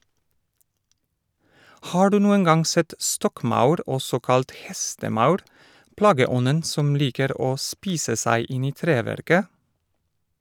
Har du noen gang sett stokkmaur, også kalt hestemaur, plageånden som liker å spise seg inn i treverket?